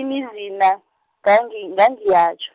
imizana ngangi- ngangiyatjho.